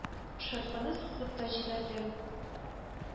Шырпыны сызып та җибәрдем.